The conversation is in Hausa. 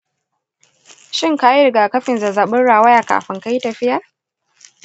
shin ka yi rigakafin zazzabin rawaya kafin kayi tafiyar?